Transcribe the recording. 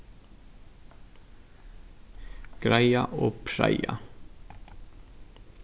greiða og preia